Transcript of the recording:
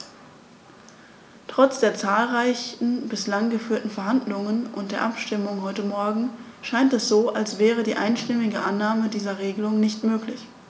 Trotz der zahlreichen bislang geführten Verhandlungen und der Abstimmung heute Morgen scheint es so, als wäre die einstimmige Annahme dieser Regelung nicht möglich.